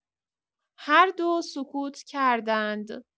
هر دو سکوت کردند.